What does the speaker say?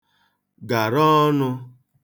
gàra ọnụ̄